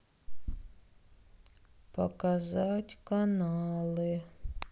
показать каналы